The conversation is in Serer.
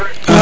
me